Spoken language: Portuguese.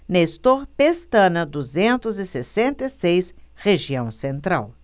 nestor pestana duzentos e sessenta e seis região central